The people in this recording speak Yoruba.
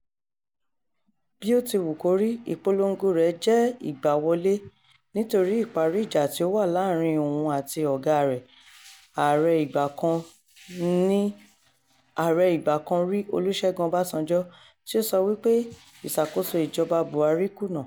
Bí ó ti wù kórí, ìpolongo rẹ̀ jẹ́ ìgbàwọlé nítorí ìparí ìjà tí ó wà làárín òun àti ọ̀gáa rẹ̀, Ààrẹ ìgbà kan rí Olusegun Obasanjo — tí ó sọ wí pé ìṣàkóso ìjọba Buhari kùnà.